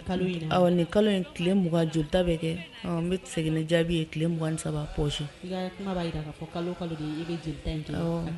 Ni kaloju bɛ kɛ n bɛ sɛgɛn jaabi ye tile saba p